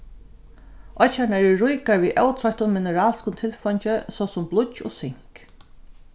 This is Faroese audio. oyggjarnar eru ríkar við ótroyttum mineralskum tilfeingi so sum blýggj og sink